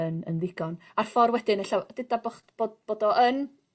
yn yn ddigon. A'r ffor wedyn ella w-dyda bo' ch- bod bod o yn